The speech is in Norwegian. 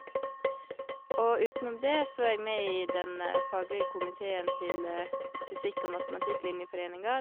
Og utenom det så er jeg med i den faglige komiteen til fysikk- og matematikklinjeforeninga.